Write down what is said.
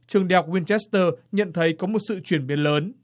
trường đại học guyn chét tơ nhận thấy có một sự chuyển biến lớn